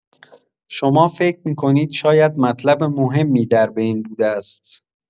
شما فکر می‌کنید شاید مطلب مهمی در بین بوده است.